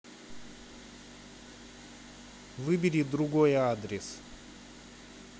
выбери другой адрес